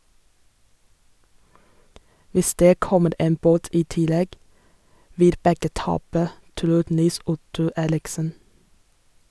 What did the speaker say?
- Hvis det kommer en båt i tillegg, vil begge tape, tror Nils-Otto Eriksen.